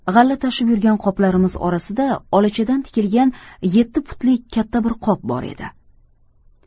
g'alla tashib yurgan qoplarimiz orasida olachadan tikilgan yetti pudlik katta bir qop bor edi